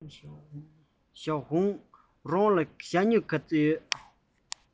ཞའོ ཧུང རང ལ ཞྭ སྨྱུག ག ཚོད ཡོད